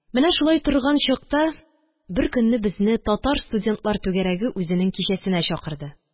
Менә шулай торган чакта беркөнне безне татар студентлар түгәрәге үзенең кичәсенә чакырды.